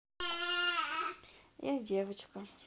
я девочка